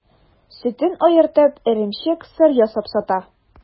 Сөтен аертып, эремчек, сыр ясап сата.